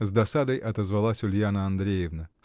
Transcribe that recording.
— с досадой отозвалась Ульяна Андреевна.